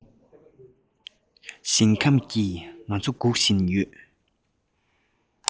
ཞིང ཁམས ཀྱིས ང ཚོ སྒུག བཞིན ཡོད